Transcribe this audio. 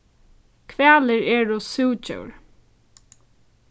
hvalir eru súgdjór